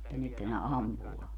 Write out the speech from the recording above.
mutta nythän ne ampuu